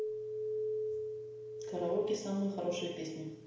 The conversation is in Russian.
караоке самые хорошие песни